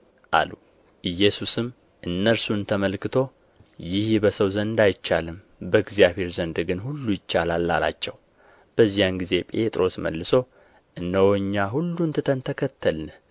አሉ ኢየሱስም እነርሱን ተመልክቶ ይህ በሰው ዘንድ አይቻልም በእግዚአብሔር ዘንድ ግን ሁሉ ይቻላል አላቸው በዚያን ጊዜ ጴጥሮስ መልሶ እነሆ እኛ ሁሉን ትተን ተከተልንህ